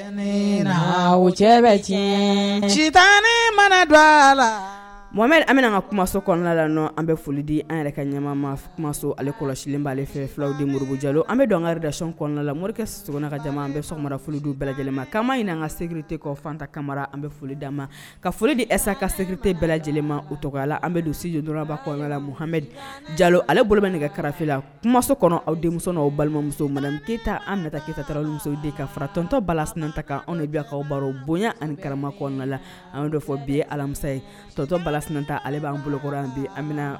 Ta mana bɛna ka kɔnɔna la an foli di an yɛrɛ ɲɛso ale kɔlɔsisi fila an bɛda la mori bɛɛ lajɛlen ma kan ɲini an kate kɔfanta kamara an bɛ foli da ma ka foli dissa ka sɛte bɛɛ lajɛlenma o tɔgɔla an bɛ don sij dɔrɔnurabakɔ la muha jalo ale bolo bɛ nɛgɛ karafe la kuso kɔnɔ aw denmuso balimamuso ma keyita an nata ketatamuso de ka faratɔntɔ balalasinata kan anw bilakaw baro bonya ani karama kɔnɔna la an fɔ bi alamisa yetɔ balalasinataale b'an bolokɔrɔ bi